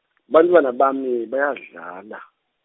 bantfwana bami, bayadlala.